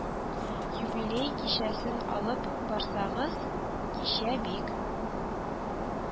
Юбилей кичәсен алып барсагыз, кичә бик